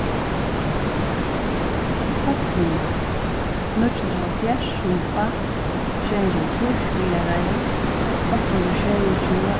postnummur níggju hundrað og hálvfjerðs sumba sjey hundrað og hálvtrýss viðareiði átta hundrað og sjeyogtjúgu